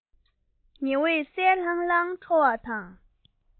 ཉི འོད གསལ ལྷང ལྷང འཕྲོ བ དང